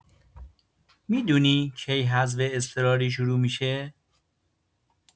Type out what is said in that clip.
می‌دونی کی حذف اضطراری شروع می‌شه؟